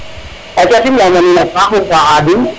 aca sim na nuun a paax nuun fo Khadim